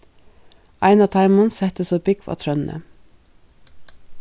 ein av teimum setti so búgv á trøðni